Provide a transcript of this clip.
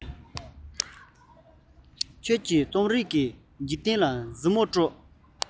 ཁྱོད ཀྱིས རྩོམ རིག གི འཇིག རྟེན ལ གཟིགས མོ སྤྲོ ན